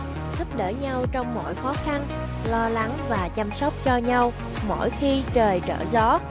giúp đỡ nhau trong mọi khó khăn lo lắng và chăm sóc cho nhau mỗi khi trời trở gió